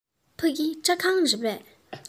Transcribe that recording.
ཕ གི སྐྲ ཁང རེད པས